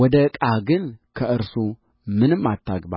ወደ ዕቃህ ግን ከእርሱ ምንም አታግባ